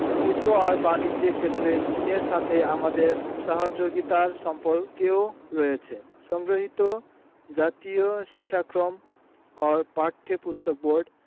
শিল্প ও বানিজ্য ক্ষেত্রে চীনের সাথে আমাদের সহযোগিতার সম্পর্কও রয়েছে সংগৃহীত জাতীয় শিক্ষাক্রম ও পাঠ্যপুস্তক বোর্ড